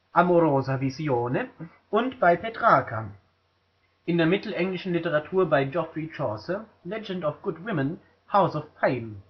Amorosa Visione “) und bei Petrarca, in der mittelenglischen Literatur bei Geoffrey Chaucer („ Legend of Good Women “,„ House of Fame